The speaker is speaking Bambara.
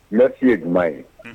Ne fi ye duman ye